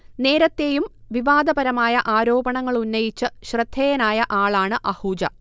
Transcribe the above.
നേരത്തെയും വിവാദപരമായ ആരോപണങ്ങൾ ഉന്നയിച്ച് ശ്രദ്ധേയനായ ആളാണ് അഹൂജ